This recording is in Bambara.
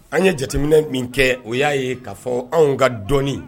An ɲe jateminɛ min kɛ o y'a ye k'a fɔɔ anw ka dɔni